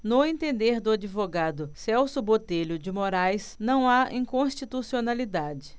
no entender do advogado celso botelho de moraes não há inconstitucionalidade